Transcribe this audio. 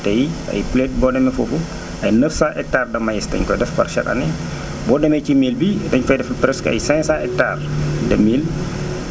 tey ay plé boo demee foofu ay 900 hectares de maïs dañ koy def par chaque année boo demee ci mil bi dañ koy defar presque ay 500 hectares de mil